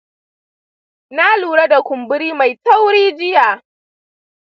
na lura da ƙumburi mai tauri jiya.